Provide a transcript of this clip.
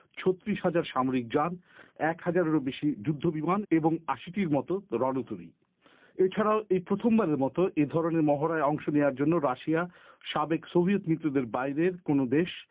৩৬০০০ সামরিক জান এক হাজারেরও বেশি যুদ্ধবিমান এবং ৮০ টির মতো রণতরী এছাড়াও এই প্রথমবারের মতো এ ধরনের মহড়ায় অংশ নেয়ার জন্য রাশিয়া সাবেক সোভিয়েত মিত্রদের বাইরের কোন দেশ